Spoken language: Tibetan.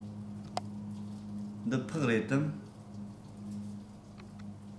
འདི ཕག རེད དམ